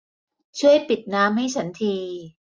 ช่วยปิดน้ำให้ฉันที